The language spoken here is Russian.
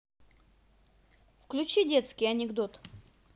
включи детский анекдот